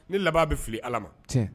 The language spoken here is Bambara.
Ne laban bɛ fili allah , maTiɲɛn.